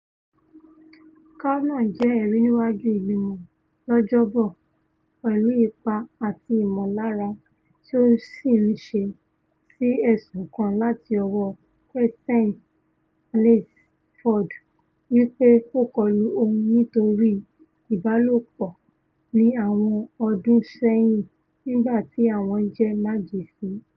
Kavanaugh jẹ́ ẹ̀rí niwaju Ìgbìmọ̀ lọ́jọ́ 'Bọ̀, pẹ̀lú ipá àti ìmọ̀lára tí ó sì ńṣẹ́ sí ẹ̀sùn kan láti ọwọ́ Christine Blasey Ford wí pé ó kọlu òun nítorí ìbálòpọ̀ ní awọn ọdún sẹ́yìn nígbàti àwọn jẹ́ màjèsín.